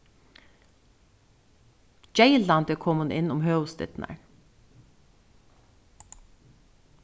geylandi kom hon inn um høvuðsdyrnar